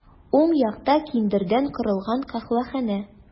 Уң якта киндердән корылган каһвәханә.